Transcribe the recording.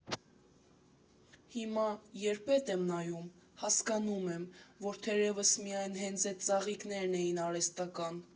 Հիմա, երբ ետ եմ նայում, հասկանում եմ, որ թերևս միայն հենց էդ ծաղիկներն էին արհեստական։